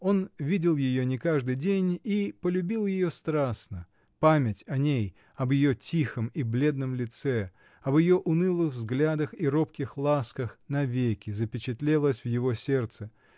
он видел ее не каждый день и полюбил ее страстно: память о ней, об ее тихом и бледном лице, об ее унылых взглядах и робких ласках навеки запечатлелась в его сердце